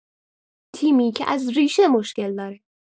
تیمی که از ریشه مشکل داره